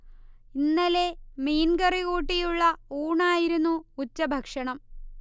ഇന്നലെ മീൻ കറി കൂട്ടിയുള്ള ഊണായിരുന്നു ഉച്ചഭക്ഷണം